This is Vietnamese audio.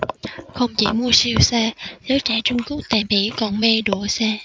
không chỉ mua siêu xe giới trẻ trung quốc tại mỹ còn mê độ xe